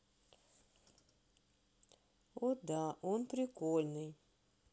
о да он прикольный